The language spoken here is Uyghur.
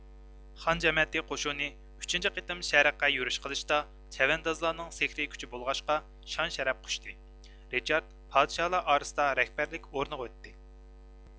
خان جەمەتى قوشۇنى ئۈچىنچى قېتىم شەرققە يۈرۈش قىلىشتا چەۋەندازلارنىڭ سېھرىي كۈچى بولغاچقا شان شەرەپ قۇچتى رىچارد پادىشاھلار ئارىسىدا رەھبەرلىك ئورنىغا ئۆتتى